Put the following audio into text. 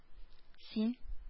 Син